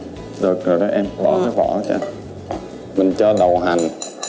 được rồi đó em bỏ cái vỏ ra mình cho đầu hành